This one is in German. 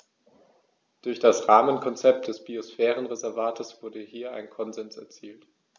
Durch das Rahmenkonzept des Biosphärenreservates wurde hier ein Konsens erzielt.